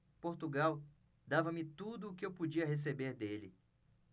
portugal dava-me tudo o que eu podia receber dele